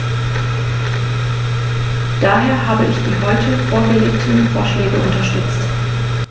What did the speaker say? Daher habe ich die heute vorgelegten Vorschläge unterstützt.